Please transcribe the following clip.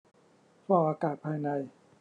ฟอกอากาศภายใน